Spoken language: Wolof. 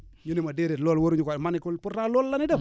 ñu ne ma déedéet loolu waruñ ko ma ne ko pourtant loolu la ñuy def